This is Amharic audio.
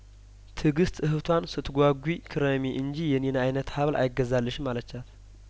ትግስት እህቷን ስትጓጉ ክረሚ እንጂ የኔን አይነት ሀብል አይገዛልሽም አለቻት